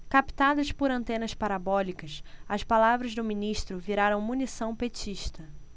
captadas por antenas parabólicas as palavras do ministro viraram munição petista